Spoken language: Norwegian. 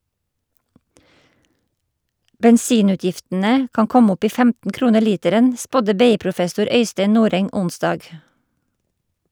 Bensinutgiftene kan komme opp i 15 kroner literen, spådde BI-professor Øystein Noreng onsdag.